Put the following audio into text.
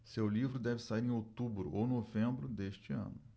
seu livro deve sair em outubro ou novembro deste ano